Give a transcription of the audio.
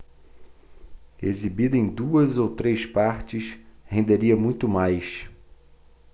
exibida em duas ou três partes renderia muito mais